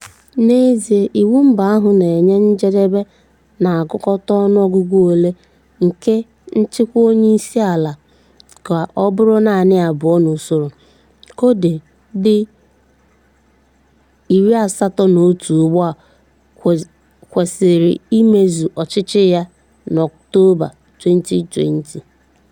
N'ezie, iwu mba ahụ na-enye njedebe na ngụkọta ọnuọgụgu ole nke nchịkwa onyeisi ala ka ọ buru naanị abụọ n'usoro. Condé, dị 81 ugbu a, kwesịrị imezu ọchịchị ya n'Ọktoba 2020.